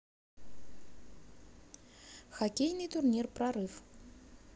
хоккейный турнир прорыв